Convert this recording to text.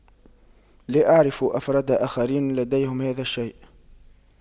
لا اعرف أفراد آخرين لديهم هذا الشيء